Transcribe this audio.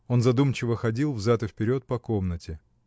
Он задумчиво ходил взад и вперед по комнате.